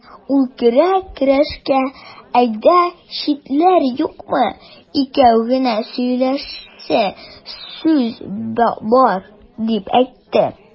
Ул керә-керешкә: "Өйдә читләр юкмы, икәү генә сөйләшәсе сүз бар", дип әйтте.